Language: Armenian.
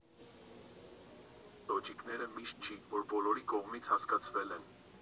Բլոճիկները միշտ չի, որ բոլորի կողմից հասկացվել են։